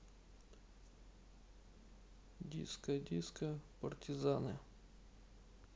диско диско партизаны